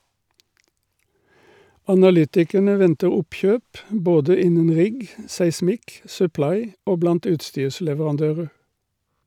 Analytikerne venter oppkjøp både innen rigg , seismikk , supply og blant utstyrsleverandører.